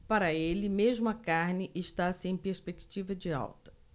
para ele mesmo a carne está sem perspectiva de alta